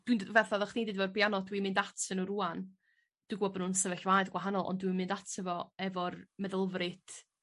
Dwi'n d- fath oddoch chdi efo'r biano dwi'n mynd atyn nw rŵan dw gwobo bo' nw'n sefyllfaoedd gwahanol ond dwi'n mynd ato fo efo'r meddylfryd